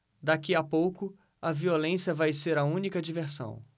daqui a pouco a violência vai ser a única diversão